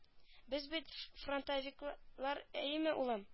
Без бит фронтовиклар әйеме улым